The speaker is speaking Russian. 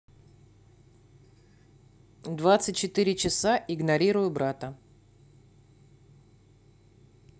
двадцать четыре часа игнорирую брата